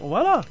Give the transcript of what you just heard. voilà